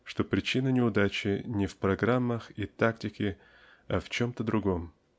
что причина неудачи--не в программах и тактике а в чем-то другом.